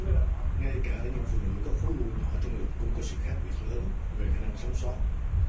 ngay cả ở những phụ nữ có khối u nhỏ trong ngực cũng có sự khác biệt lớn về khả năng sống só